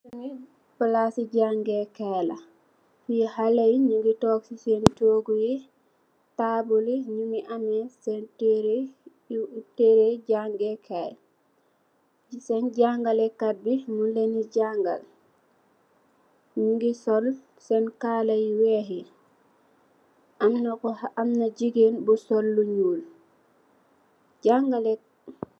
Fii palaas i jaangee kaay la, xalé yi ñu ngi toog si seen toogu yi, taabul yi, ñu ngi amee seen tëëre yi, tëëre jaangee kaay yi. Seen jàngale kat bi, mung leen di jañgale, ñu ngi sol, seen kaala yu weex yi, sol lu ñuul.